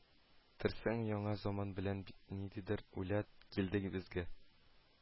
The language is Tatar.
Терсең яңа заман белән бергә ниндидер үләт килде безгә